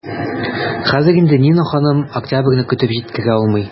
Хәзер инде Нина ханым октябрьне көтеп җиткерә алмый.